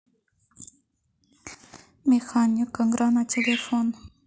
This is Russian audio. механик игра на телефон